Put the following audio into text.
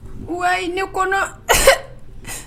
Wayi ne kɔnɔ